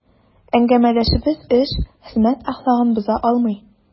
Әңгәмәдәшебез эш, хезмәт әхлагын боза алмый.